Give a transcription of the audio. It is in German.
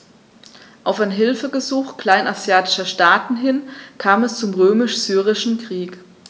Auf ein Hilfegesuch kleinasiatischer Staaten hin kam es zum Römisch-Syrischen Krieg.